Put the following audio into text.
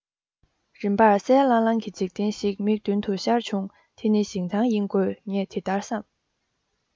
རིམ པར གསལ ལྷང ལྷང གི འཇིག རྟེན ཞིག མིག མདུན དུ ཤར བྱུང འདི ནི ཞིང ཐང ཡིན དགོས ངས འདི ལྟར བསམ